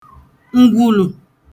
ǹgwùlù